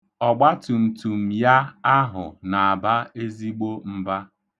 Ọgbatumtum ya ahụ na-aba ezigbo mba.